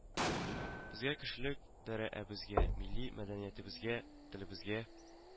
Безгә кешелек дәрә әбезгә, милли мәдәниятебезгә, телебезгә